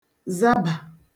zaḃà